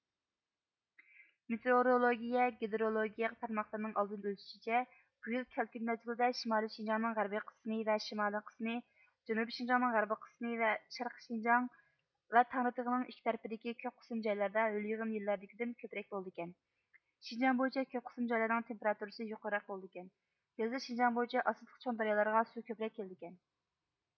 مېتېئورولوگىيە گېدرولوگىيە تارماقلىرىنىڭ ئالدىن ئۆلچىشىچە بۇ يىل كەلكۈن مەزگىلىدە شىمالىي شىنجاڭنىڭ غەربىي قىسمى ۋە شىمالىي قىسمى جەنۇبىي شىنجاڭنىڭ غەربىي قىسمى شەرقىي شىنجاڭ ۋە تەڭرىتېغىنىڭ ئىككى تەرىپىدىكى كۆپ قىسىم جايلاردا ھۆل يېغىن يىللاردىكىدىن كۆپرەك بولىدىكەن شىنجاڭ بويىچە كۆپ قىسىم جايلارنىڭ تېمپېراتۇرىسى يۇقىرىراق بولىدىكەن يازدا شىنجاڭ بويىچە ئاساسلىق چوڭ دەريالارغا سۇ كۆپرەك كېلىدىكەن